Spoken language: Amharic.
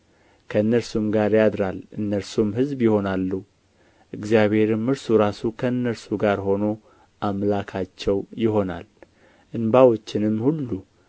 ከእነርሱም ጋር ያድራል እነርሱም ሕዝቡ ይሆናሉ እግዚአብሔርም እርሱ ራሱ ከእነርሱ ጋር ሆኖ አምላካቸው ይሆናል እንባዎችንም ሁሉ